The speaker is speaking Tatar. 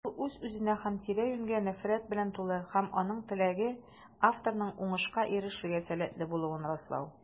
Ул үз-үзенә һәм тирә-юньгә нәфрәт белән тулы - һәм аның теләге: авторның уңышка ирешергә сәләтле булуын раслау.